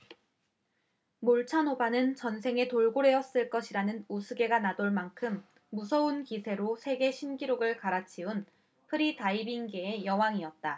몰차노바는 전생이 돌고래였을 것이라는 우스개가 나돌만큼 무서운 기세로 세계신기록을 갈아치운 프리다이빙계의 여왕이었다